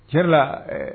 Cɛ la